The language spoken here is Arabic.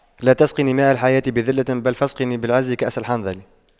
لا تسقني ماء الحياة بذلة بل فاسقني بالعز كأس الحنظل